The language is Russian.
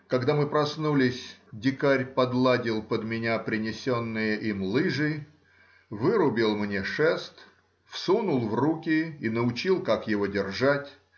Когда мы проснулись, дикарь подладил под меня принесенные им лыжи, вырубил мне шест, всунул в руки и научил, как его держать